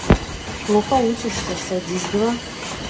плохо учишься садись два